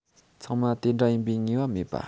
ཚང མ དེ འདྲ ཡིན པའི ངེས པ མེད པ